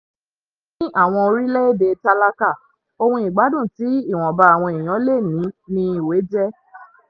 Ní àwọn orílẹ̀-èdè tálákà, ohun ìgbádùn tí ìwọ̀nba àwọn èèyàn lè ní ni ìwé jẹ́.